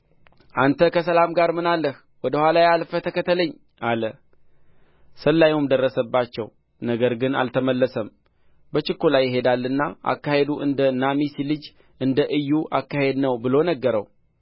አንተ ከሰላም ጋር ምን አለህ ወደ ኋላዬ አልፈህ ተከተለኝ አለ ሰላዩም ደረሰባቸው ነገር ግን አልተመለሰም በችኰላ ይሄዳልና አካሄዱ እንደ ናሜሲ ልጅ እንደ ኢዩ አካሄድ ነው ብሎ ነገረው